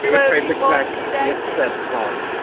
We were trying to connect the Eisteddfod.